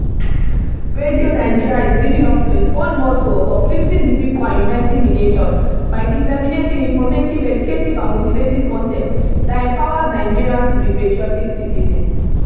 Radio Nigeria is living up to its own motto of uplifting the people and uniting the nation" by disseminating informative, educative and motivating content that empowers Nigerians to be patriotic citizens.